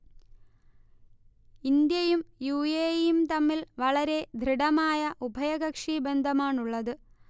ഇന്ത്യയും U. A. ഇയും തമ്മിൽ വളരെ ദൃഢമായ ഉഭയകക്ഷി ബന്ധമാണുള്ളത്